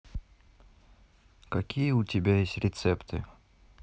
какие у тебя есть рецепты